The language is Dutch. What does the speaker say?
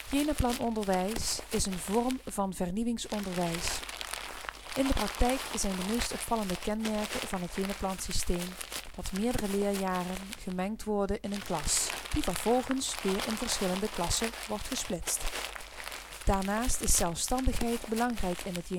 Jenaplanonderwijs is een vorm van vernieuwingsonderwijs. In de praktijk zijn de meest opvallende kenmerken van het Jenaplansysteem dat meerdere leerjaren gemengd worden in een klas, die vervolgens weer in verschillende klassen wordt gesplitst. Daarnaast is zelfstandigheid belangrijk in het